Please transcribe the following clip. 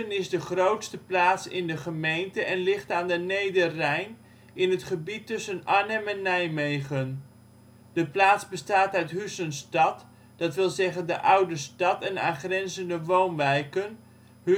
is de grootste plaats in de gemeente en ligt aan de Nederrijn, in het gebied tussen Arnhem en Nijmegen. De plaats bestaat uit Huissen-stad, dat wil zeggen de oude " stad " en aangrenzende woonwijken, Huissen-Zand